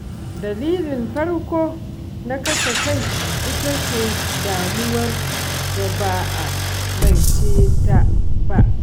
Dalilin farko na kashe kai ita ce damuwar da ba a magance ta ba.